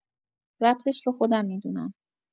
ربطش رو خودم می‌دونم.